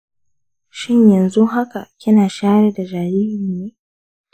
shin yanxu haka kina shayar da jariri ne?